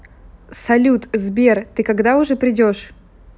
салют сбер ты когда уже придешь